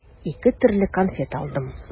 Ике төрле конфет алдым.